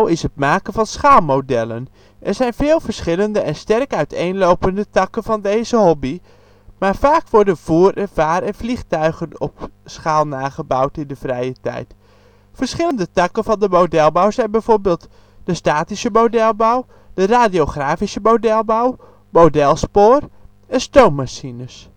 is het maken van schaalmodellen. Er zijn veel verschillende en sterk uiteenlopende takken van deze hobby. Maar vaak worden voer - en vaar - en vliegtuigen op schaal nagebouwd in de vrije tijd. Verschillende takken van modelbouw zijn bijvoorbeeld: Statische modelbouw Radiografische modelbouw Modelspoor Stoommachines